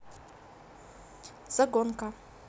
загонка